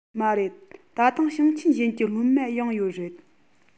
མ རེད ད དུང ཞིང ཆེན གཞན གྱི སློབ མ ཡང ཡོད རེད